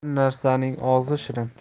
har narsaning ozi shirin